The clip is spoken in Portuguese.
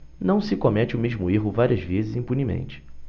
não se comete o mesmo erro várias vezes impunemente